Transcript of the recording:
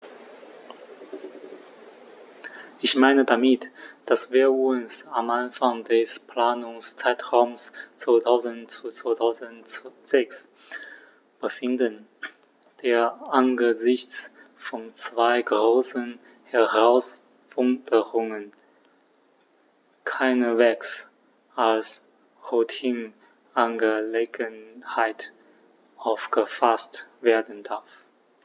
Ich meine damit, dass wir uns am Anfang des Planungszeitraums 2000-2006 befinden, der angesichts von zwei großen Herausforderungen keineswegs als Routineangelegenheit aufgefaßt werden darf.